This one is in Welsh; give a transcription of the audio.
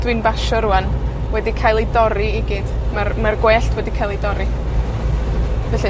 dwi'n basio rŵan wedi cael ei dorri i gyd. Ma'r Ma'r gwellt wedi ca'l 'i dorri. Felly